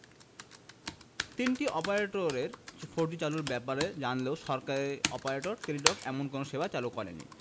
তিনটি অপারেটরের ফোরজি চালুর ব্যাপারে জানালেও সরকারি অপারেটর টেলিটক এমন কোনো সেবা চালু করেনি